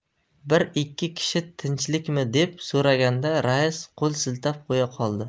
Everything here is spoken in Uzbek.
bir ikki kishi tinchlikmi deb so'raganda rais qo'l siltab qo'ya qoldi